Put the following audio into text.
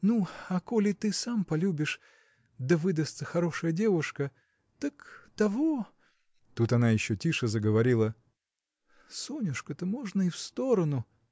Ну, а коли ты сам полюбишь да выдастся хорошая девушка – так того. – тут она еще тише заговорила. – Сонюшку-то можно и в сторону.